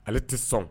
Ale tɛ sɔn